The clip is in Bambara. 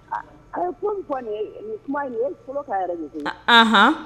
A ye ko min fɔ min ye nin kuma in ni ye kolokan yɛrɛ de ye koyi.